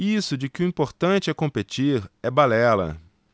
isso de que o importante é competir é balela